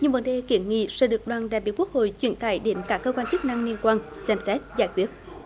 những vấn đề kiến nghị sẽ được đoàn đại biểu quốc hội chuyển tải đến các cơ quan chức năng liên quan xem xét giải quyết